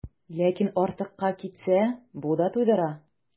Ләкин артыкка китсә, бу да туйдыра.